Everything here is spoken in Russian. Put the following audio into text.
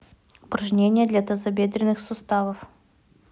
упражнение для тазобедренных суставов